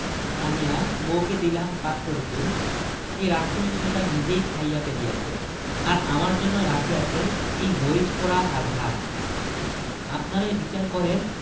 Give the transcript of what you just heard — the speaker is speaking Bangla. আনিয়া বউকে দিলাম পাক করিতে এই রাক্ষসী সেটা নিজেই খাইয়া ফেলিয়াছে আর আমার জন্য রাখিয়াছে এই মরিচ পোড়া আর ভাত আপনারাই বিচার করেন